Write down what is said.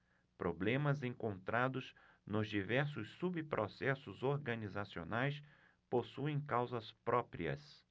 problemas encontrados nos diversos subprocessos organizacionais possuem causas próprias